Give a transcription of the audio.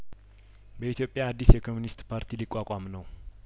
በኢትዮጵያ አዲስ የኮምኒስት ፖርቲ ሊቋቋም ነው